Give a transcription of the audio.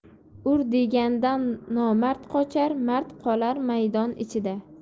ur deganda nomard qochar mard qolar maydon ichida